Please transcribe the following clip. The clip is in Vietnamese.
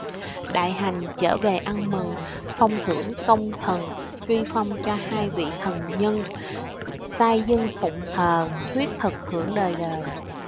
đại hành trở về ăn mừng phong thưởng công thần truy phong cho hai vị thần nhân sai dân phụng thờ huyết thực hưởng đời đời